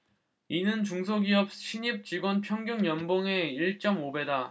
이는 중소기업 신입 직원 평균 연봉의 일 쩜 오 배다